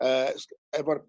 yy s- efo'r